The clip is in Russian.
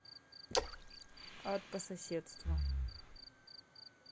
ад по соседству